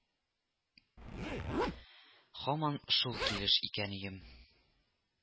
Һаман шул килеш икән өем